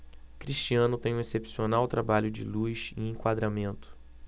cristiano tem um excepcional trabalho de luz e enquadramento